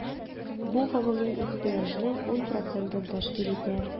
Бу гомуми ихтыяҗның 10 процентын тәшкил итә.